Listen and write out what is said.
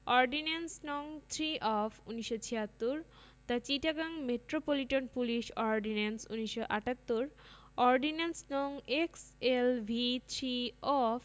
The Chittagong metropolitan police ordinance ১৯৭৮ ordinance. নং X L V three of